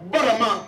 Barama